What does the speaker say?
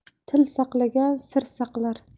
til saqlagan sir saqlar